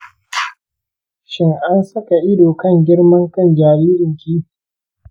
shin an saka ido kan girman kan jaririnki?